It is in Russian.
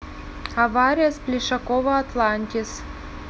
авария с плешакова атлантис